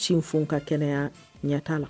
Sin fo ka kɛnɛya ɲɛ tta la